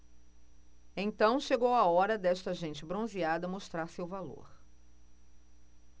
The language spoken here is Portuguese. então chegou a hora desta gente bronzeada mostrar seu valor